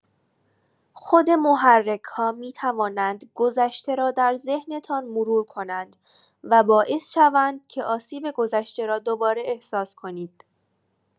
خود محرک‌ها می‌توانند گذشته را در ذهنتان مرور کنند و باعث شوند که آسیب گذشته را دوباره احساس کنید.